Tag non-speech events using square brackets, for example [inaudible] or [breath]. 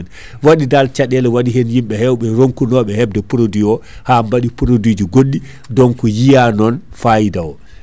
[breath] waɗi dal caɗele waɗi hen yimɓe hewɓe ronkunoɓe hebde produit :o [breath] ha baɗi produit ji goɗɗi donc yiya non fayida o